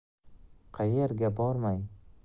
qayerga bormay